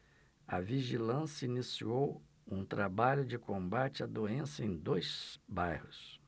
a vigilância iniciou um trabalho de combate à doença em dois bairros